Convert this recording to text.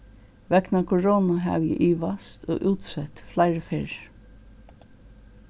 vegna koronu havi eg ivast og útsett fleiri ferðir